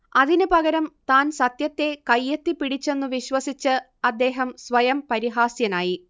അതിന് പകരം താൻ സത്യത്തെ കയ്യെത്തിപ്പിടിച്ചെന്ന് വിശ്വസിച്ച് അദ്ദേഹം സ്വയം പരിഹാസ്യനായി